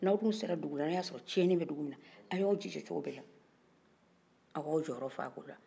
n'aw sera dugula aw y'a sɔrɔ ciɲɛnin bɛ dugu min na a y'aw jija coko bɛɛ la a k'aw jɔ yɔrɔ fa ko la